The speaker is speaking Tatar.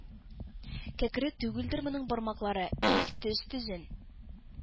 Кәкре түгелдер моның бармаклары — бик төз төзен,